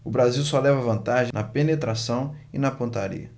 o brasil só leva vantagem na penetração e na pontaria